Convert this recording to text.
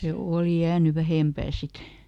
se oli jäänyt vähempään sitten